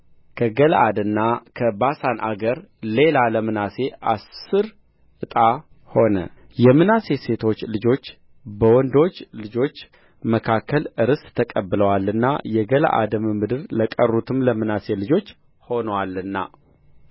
ከገለዓድና ከባሳን አገር ሌላ ለምናሴ አሥር ዕጣ ሆነ የምናሴ ሴቶች ልጆች በወንዶች ልጆች መካከል ርስት ተቀብለዋልና የገለዓድም ምድር ለቀሩት ለምናሴ ልጆች ሆኖአልና